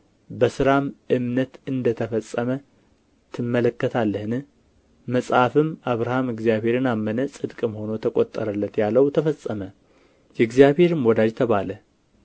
በሥራም እምነት እንደ ተፈጸመ ትመለከታለህን መጽሐፍም አብርሃምም እግዚአብሔርን አመነ ጽድቅም ሆኖ ተቈጠረለት ያለው ተፈጸመ የእግዚአብሔርም ወዳጅ ተባለ